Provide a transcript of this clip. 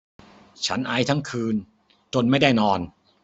ฉันไอทั้งคืนจนไม่ได้นอน